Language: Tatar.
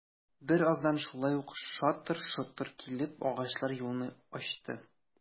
Бераздан шулай ук шатыр-шотыр килеп, агачлар юлны ачты...